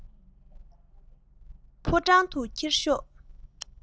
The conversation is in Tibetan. ཕོ བྲང དུ ཁྱེར ཤོག